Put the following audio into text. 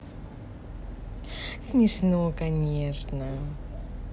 смешно конечно